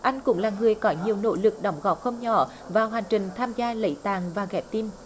anh cũng là người có nhiều nội lực đóng góp không nhỏ vào hành trình tham gia lấy tạng và ghép tim